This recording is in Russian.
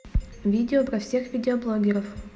видео про всех видеоблогеров